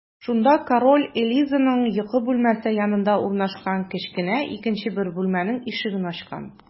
Шунда король Элизаның йокы бүлмәсе янында урнашкан кечкенә икенче бер бүлмәнең ишеген ачкан.